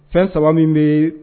Fɛn 3 min bɛ